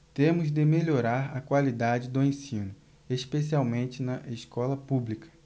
temos de melhorar a qualidade do ensino especialmente na escola pública